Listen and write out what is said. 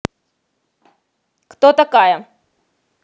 кто такая